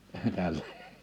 tälle